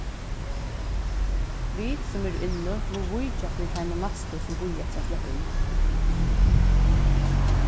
vit sum eru inni mugu víkja fyri teim næstu sum bíða eftir at sleppa inn